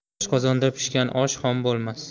doshqozonda pishgan osh xom bo'lmas